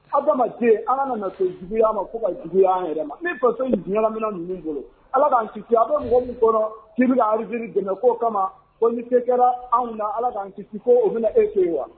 Adamaden an kana na se juguya ma fo ka an juguy'an yɛrɛ ma, ni faso ɲagaminna ninnu bolo ala k'an kisi na bɛ mɔgɔ minnu kɔnɔ k'i bɛ ka Algérie dɛmɛn k'o kama ko ni sera kɛra anw na ala k'an kisi k'o bɛ na aw to yen wa?